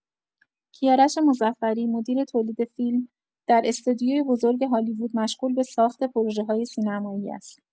کیارش مظفری، مدیر تولید فیلم، در استودیوی بزرگ هالیوود مشغول به ساخت پروژه‌های سینمایی است.